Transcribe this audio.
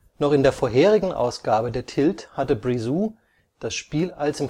Noch in der vorherigen Ausgabe der Tilt hatte Brisou das Spiel als